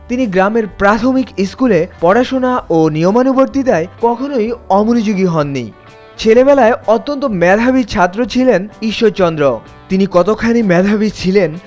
তিনি গ্রামের প্রাথমিক স্কুলে পড়াশুনা ও নিয়মানুবর্তিতায় কখনোই অমনোযোগী হননি ছেলেবেলয় অত্যন্ত মেধাবী ছাত্র ছিলেন ইশ্বরচন্দ্র তিনি কতখানি মেধাবী ছিলেন